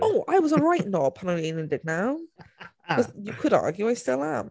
Oh I was right knob pan o'n i'n un deg naw. Course you could argue I still am.